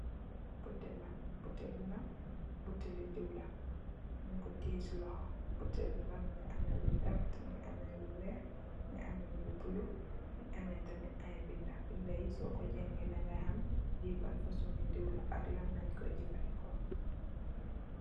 Butehll la, butehll bii nak butehli diww la, munkoh tiyeh cii lokhor, butehll bii nak mungy ameh lu vertue, mungy ameh lu wekh, mungy ameh lu bleu, mungy ameh tamit aiiy binda, binda yii sor kor jangeh dangai ham lii ban fasoni diw la ak lan langh koi jeufandehkor.